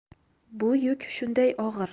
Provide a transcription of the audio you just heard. bu yuk shunday og'ir